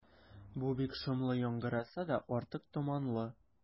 Бу бик шомлы яңгыраса да, артык томанлы.